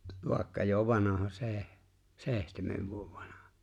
vaikka jo vanha - seitsemän vuotta vanha